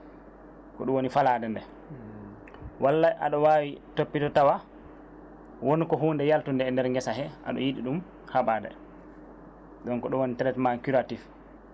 ko ɗum woni falade nde walla aɗa wawi toppito tawa woni ko hunnde yaltunde e nder geese hee aɗa yiiɗi ɗum haaɓade donc ɗum woni traitement curatif